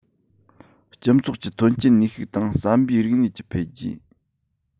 སྤྱི ཚོགས ཀྱི ཐོན སྐྱེད ནུས ཤུགས དང བསམ པའི རིག གནས ཀྱི འཕེལ རྒྱས